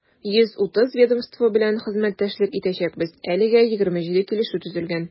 130 ведомство белән хезмәттәшлек итәчәкбез, әлегә 27 килешү төзелгән.